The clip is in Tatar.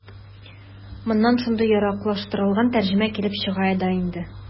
Моннан шундый яраклаштырылган тәрҗемә килеп чыга да инде.